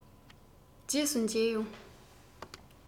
རྗེས སུ མཇལ ཡོང